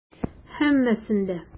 Һәммәсен дә.